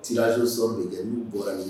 Tirage au sort Bɛ kɛ, min bɔra ni